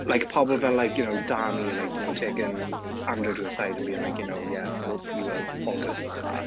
Like pobl fel like you know Dami like you know taking Andrew to the side and being like you know, yeah you weren't all good and all that.